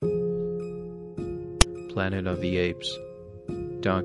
Planet of the Apes. Donkey Kong.